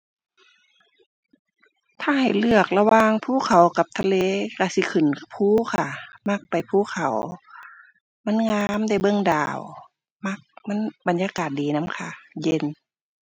ถ้าให้เลือกระหว่างภูเขากับทะเล ก็สิขึ้นภูค่ะ มักไปภูเขา มันงาม ได้เบิ่งดาว มัก มันบรรยากาศดีนำค่ะ เย็น